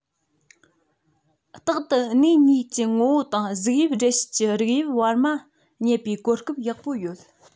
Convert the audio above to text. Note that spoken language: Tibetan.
རྟག ཏུ སྣེ གཉིས ཀྱི ངོ བོ དང གཟུགས དབྱིབས སྦྲེལ བྱེད ཀྱི རིགས དབྱིབས བར མ རྙེད པའི གོ སྐབས ཡག པོ ཡོད